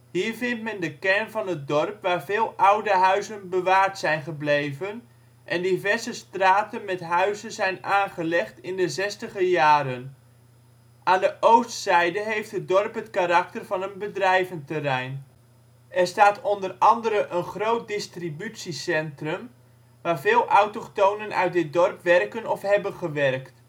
Hier vindt men de kern van het dorp waar veel oude huizen bewaard zijn gebleven en diverse straten met huizen zijn aangelegd in de zestiger jaren. Aan de oostzijde heeft het dorp het karakter van een bedrijventerrein. Er staat onder andere een groot distributiecentrum waar veel autochtonen uit dit dorp werken of hebben gewerkt